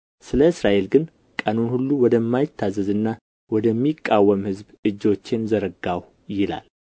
ስለ እስራኤል ግን ቀኑን ሁሉ ወደማይታዘዝና ወደሚቃወም ሕዝብ እጆቼን ዘረጋሁ ይላል